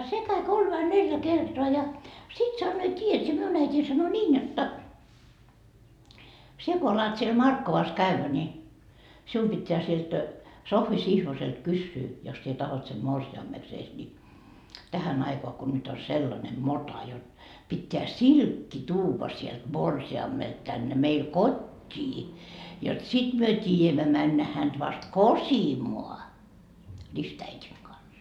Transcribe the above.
se kävi kolme vai neljä kertaa ja sitten sanoo tiedät sinä minun äitini sanoi niin jotta sinä kun alat siellä Markkovassa käydä niin sinun pitää sieltä Sohvi Sihvoselta kysyä jos sinä tahdot sen morsiameksesi niin tähän aikaan kun nyt on sellainen mota jotta pitää silkki tuoda sieltä morsiamelta tänne meille kotiin jotta sitten me tiedämme mennä häntä vasta kosimaan ristiäidin kanssa